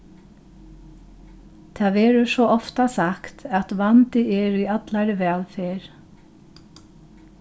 tað verður so ofta sagt at vandi er í allari vælferð